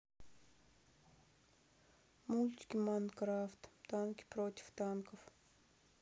мультики майнкрафт танки против танков